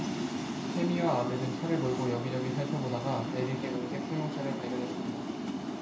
태미와 아들은 차를 몰고 여기 저기 살펴보다가 에릭의 은색 승용차를 발견했습니다